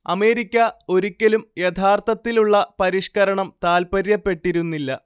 America ഒരിക്കലും യഥാർത്ഥത്തിലുള്ള പരിഷ്കരണം താല്പര്യപ്പെട്ടിരുന്നില്ല